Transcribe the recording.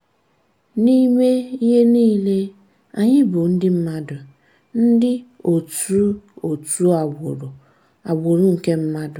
N'ime ihe niile, anyị bụ ndị mmadụ, ndị òtù ótù agbụrụ, agbụrụ nke mmadụ.